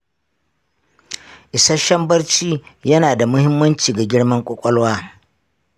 isasshen barci yana da mahimmanci ga girman kwakwalwa.